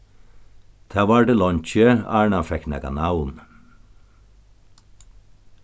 tað vardi leingi áðrenn hann fekk nakað navn